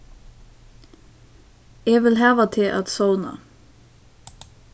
eg vil hava teg at sovna